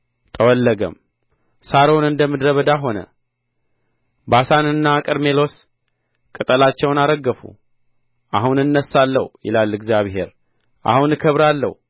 ጠወለገም ሳሮን እንደ ምድረ በዳ ሆነ ባሳንና ቀርሜሎስ ቅጠላቸውን አረገፉ አሁን እነሣለሁ ይላል እግዚአብሔር አሁን እከበራለሁ